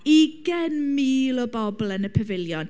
ugain mil o bobl yn y pafiliwn.